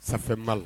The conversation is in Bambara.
Ça fait mal